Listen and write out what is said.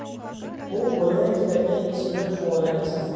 u qo'lidan keladigan ish bilan shug'ullanish